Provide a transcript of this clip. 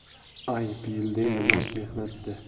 ayb yilda emas mehnatda